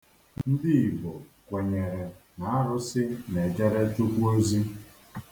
Ndị Igbo kwenyere na arụsị na-ejere Chukwu ozi.